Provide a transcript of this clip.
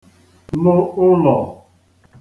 lụ ụlọ̀